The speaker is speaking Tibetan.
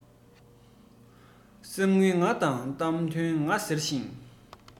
གསེར དངུལ ང དང གཏམ དོན ང ཟེར ཞིང